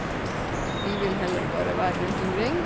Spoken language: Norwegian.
Vi vil heller bare være rundt omkring.